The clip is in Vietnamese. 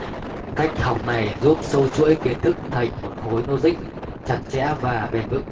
cách học này giúp xâu chuỗi kiến thức thành một khối logic chặt chẽ và bền vững